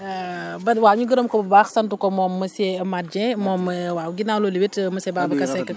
Badou waaw ñu gërëm ko bu baax sant ko moom monsieur Mate Dieng moom waaw ginnaaw loolu it monsieur Babacar Seck